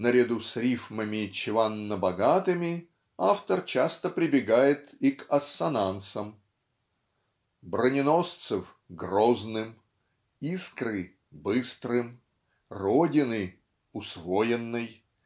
на ряду с рифмами чванно-богатыми автор часто прибегает и к ассонансам ("броненосцев -- грозным" "искры -- быстрым" "родины -- усвоенной"